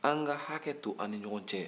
an ka hakɛ to an ni ɲɔgɔn cɛ